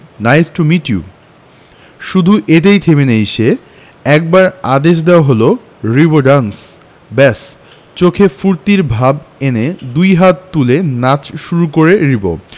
nice to meet you শুধু এতেই থেমে নেই সে একবার আদেশ দেওয়া হলো রিবো ড্যান্স ব্যাস চোখে ফূর্তির ভাব এনে দুই হাত তুলে নাচ শুরু করে রিবো